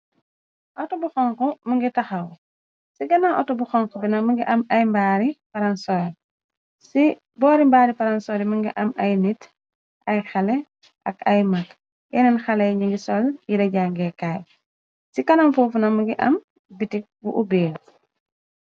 Autor bu honhu mungy takhaw, chi ganaw autor bu honhu bii nak mungy am aiiy mbaari palansorr, cii bohri mbaari palansorr yii mungy am aiiy nitt, aiiy, ak aiiy mak, yenen haleh yii njungy sol yehreh jaangeh kaii, cii kanam fofu nak mungy am biitique bu oubeh ku.